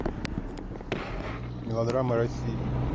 мелодрамы россия